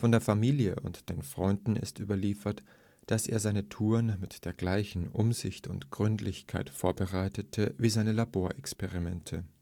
der Familie und von Freunden ist überliefert, dass er seine Touren mit der gleichen Umsicht und Gründlichkeit vorbereitete wie seine Laborexperimente